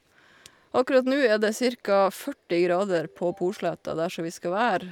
Akkurat nå er det cirka førti grader på Posletta der som vi skal være.